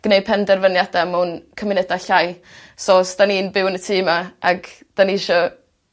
gwneud penderfyniada mewn cymuneda llai so os 'dan ni'n byw yn y tŷ 'ma ag 'dan ni isio